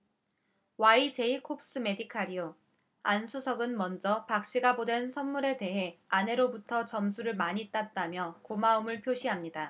와이제이콥스메디칼이요 안 수석은 먼저 박 씨가 보낸 선물에 대해 아내로부터 점수를 많이 땄다며 고마움을 표시합니다